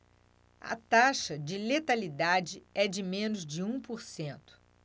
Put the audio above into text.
a taxa de letalidade é de menos de um por cento